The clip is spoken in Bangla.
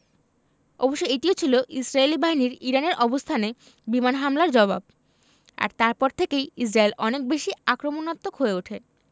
অবশ্য এটিও ছিল ইসরায়েলি বাহিনীর ইরানের অবস্থানে বিমান হামলার জবাব আর তারপর থেকেই ইসরায়েল অনেক বেশি আক্রমণাত্মক হয়ে ওঠে